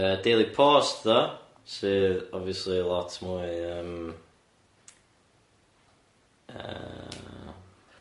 Yy Daily Post tho, sydd obviously lot mwy yym yy.